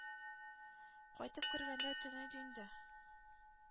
Кайтып кергәндә төн иде инде.